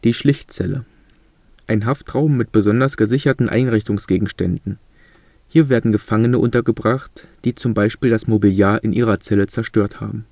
Schlichtzelle: Ein Haftraum mit besonders gesicherten Einrichtungsgegenständen. Hier werden Gefangene untergebracht, die z. B. das Mobiliar in ihrer Zelle zerstört haben